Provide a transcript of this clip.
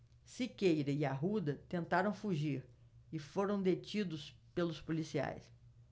siqueira e arruda tentaram fugir e foram detidos pelos policiais